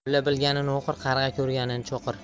mulla bilganin o'qir qarg'a ko'rganin cho'qir